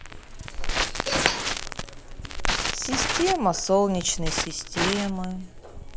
система солнечной системы